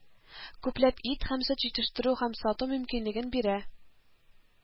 Күпләп ит һәм сөт итештерү һәм сату мөмкинлеген бирә